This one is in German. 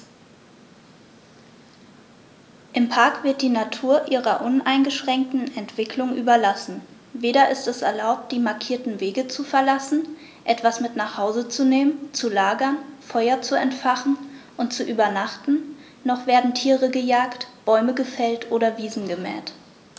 Im Park wird die Natur ihrer uneingeschränkten Entwicklung überlassen; weder ist es erlaubt, die markierten Wege zu verlassen, etwas mit nach Hause zu nehmen, zu lagern, Feuer zu entfachen und zu übernachten, noch werden Tiere gejagt, Bäume gefällt oder Wiesen gemäht.